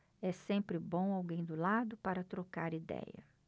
é sempre bom alguém do lado para trocar idéia